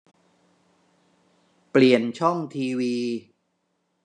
เปลี่ยนช่องทีวี